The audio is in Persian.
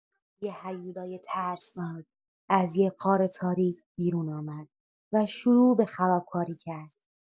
یه هیولای ترسناک از یه غار تاریک بیرون اومد و شروع به خرابکاری کرد.